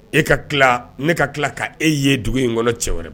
E ka tila ne ka tila ka e ye dugu in kɔnɔ cɛ wɛrɛ